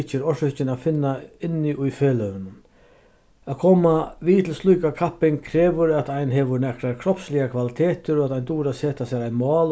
tykki er orsøkin at finna inni í feløgunum at koma við til slíkar kapping krevur at ein hevur nakrar kropsligar kvalitetir og at ein dugir at seta sær eitt mál